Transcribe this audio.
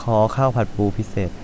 ขอข้าวผัดปูพิเศษ